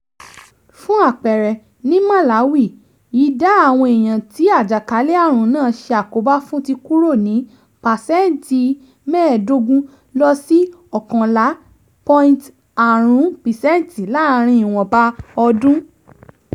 Fún àpẹẹrẹ, ní Malawi ìdá àwọn èèyàn tí àjàkálẹ̀-àrùn náà ṣe àkóbá fún ti kúrò ní 15% lọ sí 11.5% láàárín ìwọ̀nba ọdún.